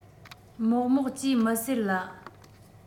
མོག མོག ཅེས མི ཟེར ལ